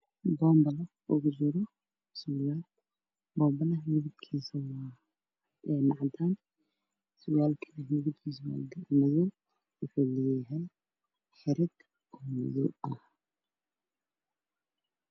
Waa boonbalo waxaa kujiro surwaal. Boonbaluhu waa cadaan surwaalkana waa garee waxuu leeyahay xarig madow ah.